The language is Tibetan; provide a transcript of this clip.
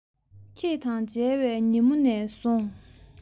ཁྱེད དང མཇལ བའི ཉིན མོ ནས བཟུང